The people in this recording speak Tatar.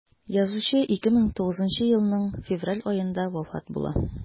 Язучы 2009 елның февраль аенда вафат була.